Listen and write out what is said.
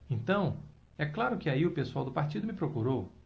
então é claro que aí o pessoal do partido me procurou